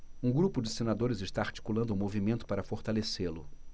um grupo de senadores está articulando um movimento para fortalecê-lo